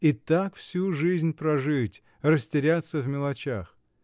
— И так всю жизнь прожить, растеряться в мелочах!